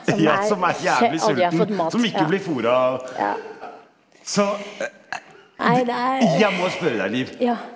ja som er jævlig sulten, som ikke blir fora så jeg må spørre deg Liv.